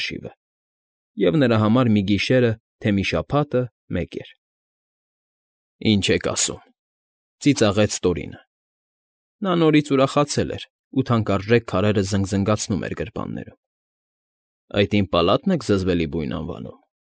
Հաշիվը, և նրա համար մի գիեշերը, թե մի շաբաթը մեկ էր։ ֊ Ի՜նչ եք ասում,֊ ծիծաղեց Տորինը (նա նորից ուրախացել էր ու թանկարժեք քարերը զնգզնգացնում էր գրպաններում)։֊ Այդ իմ պալա՞տն եք զզվելի բույն անվանում։